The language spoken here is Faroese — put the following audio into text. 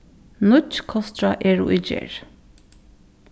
nýggj kostráð eru í gerð